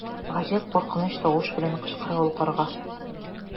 Гаҗәп куркыныч тавыш белән кычкыра ул карга.